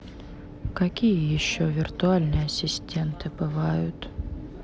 какие еще виртуальные ассистенты бывают